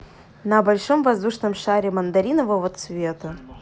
на большом воздушном шаре мандаринового цвета